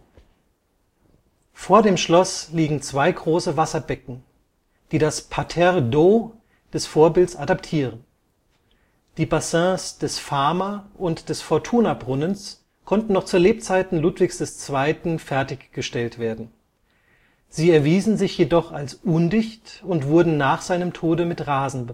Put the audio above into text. Vor dem Schloss liegen zwei große Wasserbecken, die das Parterre d’ eau des Vorbilds adaptieren. Die Bassins des Fama - und des Fortunabrunnens konnten noch zu Lebzeiten Ludwigs II. fertig gestellt werden. Sie erwiesen sich jedoch als undicht und wurden nach seinem Tode mit Rasen